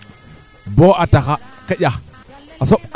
iyo ndiiki xoxoxf we genof xaro doxin kaa den